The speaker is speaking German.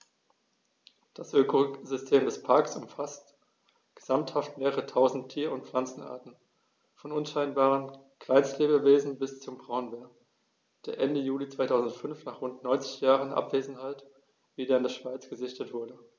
Das Ökosystem des Parks umfasst gesamthaft mehrere tausend Tier- und Pflanzenarten, von unscheinbaren Kleinstlebewesen bis zum Braunbär, der Ende Juli 2005, nach rund 90 Jahren Abwesenheit, wieder in der Schweiz gesichtet wurde.